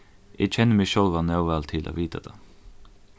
eg kenni meg sjálva nóg væl til at vita tað